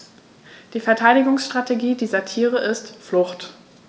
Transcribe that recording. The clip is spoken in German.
Die Verteidigungsstrategie dieser Tiere ist Flucht.